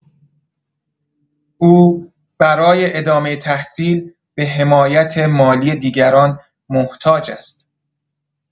او برای ادامه تحصیل به حمایت مالی دیگران محتاج است.